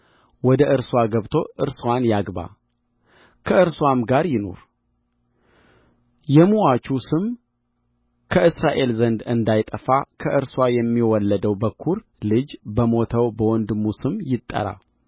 ወደ እርስዋ ገብቶ እርስዋን ያግባ ከእርስዋም ጋር ይኑር የምዋቹ ስም ከእስራኤል ዘንድ እንዳይጠፋ ከእርስዋ የሚወለደው በኵር ልጅ በሞተው በወንድሙ ስም ይጠራ